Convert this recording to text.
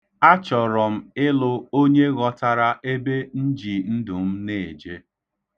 Achọrọ m ịlụ onye ghọtara ebe m ji ndụ m na-eje.